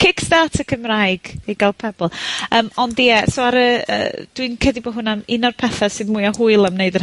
...Kickstarter Cymraeg, i ga'l Pebble. Yym, ond, ie, so ar y, yy dwi'n credu bo' hwnna yym un o'r pethe sydd mwya hwyl am neud yr...